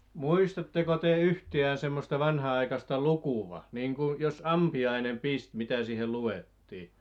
muistatteko te yhtään semmoista vanhanaikaista lukua niin kuin jos ampiainen pisti mitä siihen luettiin